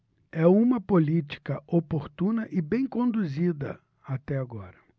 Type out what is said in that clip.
é uma política oportuna e bem conduzida até agora